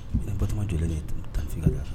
Bat jɔlen tanfin la